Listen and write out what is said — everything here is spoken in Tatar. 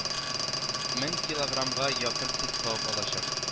Мең килограммга якын сөт савып алачак